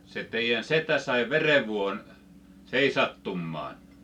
se teidän setä sai verenvuodon seisahtumaan